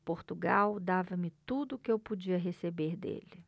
portugal dava-me tudo o que eu podia receber dele